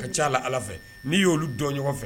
A ka caala allah fɛ n'i y'olu dɔn ɲɔgɔn fɛ